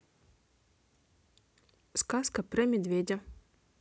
сказка про медведя